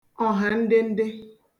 ọ̀hàndende